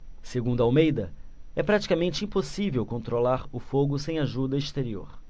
segundo almeida é praticamente impossível controlar o fogo sem ajuda exterior